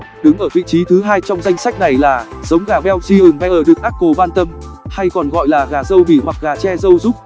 đứng ở vị trí thứ trong danh sách này là giống gà belgian bearded d'uccle bantam hay còn gọi là gà râu bỉ hoặc gà tre râu dúc